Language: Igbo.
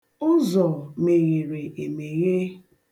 Ụzọ meghere emeghe.